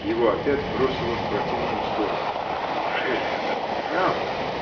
Его опять бросило в противную сторону. — Ужели это правда?